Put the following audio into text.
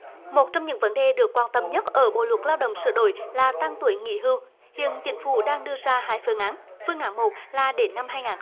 một trong những vấn đề được quan tâm nhất ở bộ luật lao động sửa đổi là tăng tuổi nghỉ hưu hiện chính phủ đang đưa ra hai phương án phương án một là để năm hai nghìn